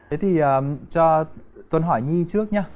thế thì à cho tuân hỏi nhi trước nhá